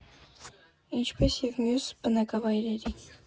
Ինչպես և մյուս բնակավայրերի։